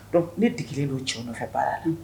Dɔn ne digi b don ci nɔfɛ baara la